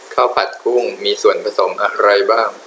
ข้าวผัดกุ้งมีส่วนผสมอะไรบ้าง